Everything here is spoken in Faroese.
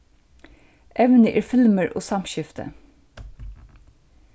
evnið er filmur og samskifti